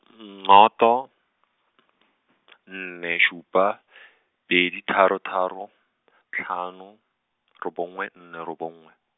nnoto , nne supa , pedi tharo tharo , tlhano, robongwe nne robongwe.